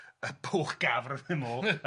y pwch gafr hwnnw